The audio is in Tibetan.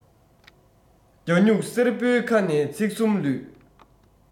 རྒྱ སྨྱུག སེར པོའི ཁ ནས ཚིག གསུམ ལུས